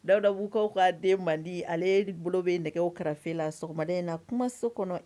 Daoudabougoukaw ka den mandi ale d bolo be nɛgɛw karafe la sɔgɔmada in na kuma so kɔnɔ